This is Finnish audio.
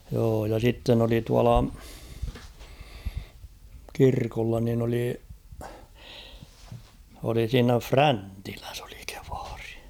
joo ja sitten oli tuolla kirkolla niin oli oli siinä Fräntilässä oli kievari